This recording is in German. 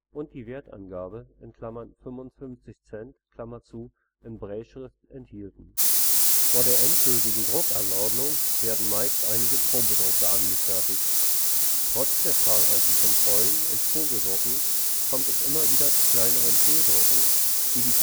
und die Wertangabe (55 Cent) in Brailleschrift enthielt. Vor der endgültigen Druckanordnung werden meist einige Probedrucke angefertigt. Trotz der zahlreichen Kontrollen und Probedrucken kommt es immer wieder zu kleineren Fehldrucken, wie